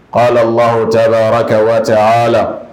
Qlaaka allagh taala raka waa aala